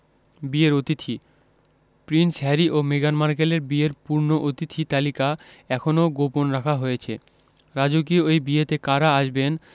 বিয়ের অতিথি prince Harry ও মেগান মার্কেলের বিয়ের পূর্ণ অতিথি তালিকা এখনো গোপন রাখা হয়েছে রাজকীয় এই বিয়েতে কারা আসবেন